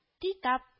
Титап